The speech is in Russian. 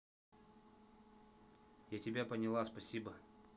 я тебя поняла спасибо